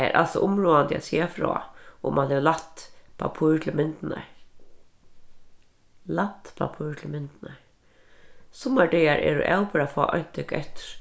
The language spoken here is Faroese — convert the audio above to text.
tað er altso umráðandi at siga frá um mann hevur lætt pappír til myndirnar lænt pappír til myndirnar summar dagar eru avbera fá eintøk eftir